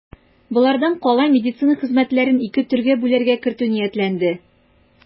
Болардан кала медицина хезмәтләрен ике төргә бүләргә кертү ниятләнде.